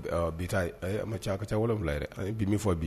Awɔ bi ta in , ayi a ma caa , ayi, a ka caa ni 7 ye bi min fɔ bi.